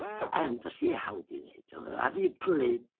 'Sa hi'n rhy hawdd i ddeud o, a rhy gli-.